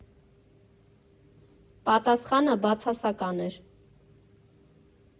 Պատասխանը բացասական էր։